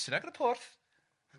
Sy'n agor y porth.